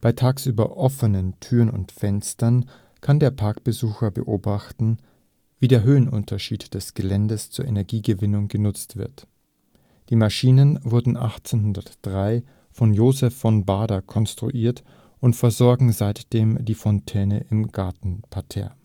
tagsüber offenen Türen und Fenstern kann der Parkbesucher beobachten, wie der Höhenunterschied des Geländes zur Energiegewinnung genutzt wird. Die Maschinen wurden 1803 von Joseph von Baader konstruiert und versorgen seitdem die Fontäne im Gartenparterre